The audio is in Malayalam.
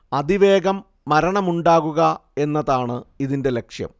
അതിവേഗം മരണമുണ്ടാകുക എന്നതാണ് ഇതിന്റെ ലക്ഷ്യം